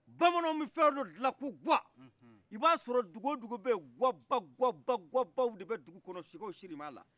bamananw be fɛn dɔ dlan ko gua iba sɔrɔ duguwo dugubeyi guaba guaba guabaw de bɛ dugu kɔnɔ sokɛ sirim'al